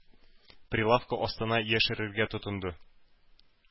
Прилавка астына яшерергә тотынды.